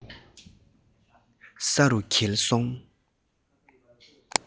ས རུ འགྱེལ སོང